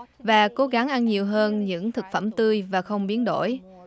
và cố gắng ăn nhiều hơn những thực phẩm tươi và không biến đổi